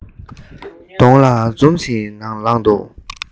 གདོང ལ འཛུམ ཞིག ལངས འདུག